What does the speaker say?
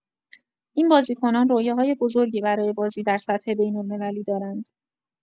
این بازیکنان رویاهای بزرگی برای بازی در سطح بین‌المللی دارند.